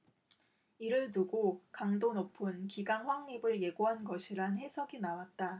이를 두고 강도 높은 기강 확립을 예고한 것이란 해석이 나왔다